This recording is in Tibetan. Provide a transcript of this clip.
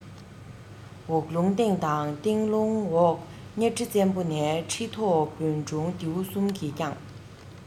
འོག རླུང སྟེང དང སྟེང རླུང འོག གཉའ ཁྲི བཙན པོ ནས ཁྲི ཐོག བོན སྒྲུང ལྡེའུ གསུམ གྱིས བསྐྱངས